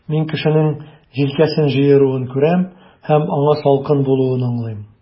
Мин кешенең җилкәсен җыеруын күрәм, һәм аңа салкын булуын аңлыйм.